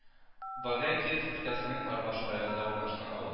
Багаи Киров өлкәсенең Арбаж районында урнашкан авыл